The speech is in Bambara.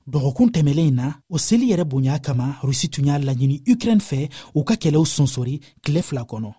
dɔgɔkun tɛmɛnen in na o seli yɛrɛ bonya kama rusi tun y'a laɲini ukraine fɛ k'u ka kɛlɛ sonsori tile fila kɔnɔ